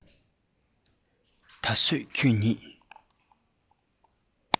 ད བཟོད ཁྱོད ཉིད